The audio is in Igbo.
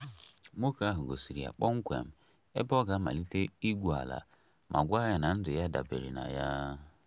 Nwoke ahụ gosiri ya kpọmkwem ebe ọ ga-amalite igwu ala ma gwa ya na ndụ ya dabeere na ya.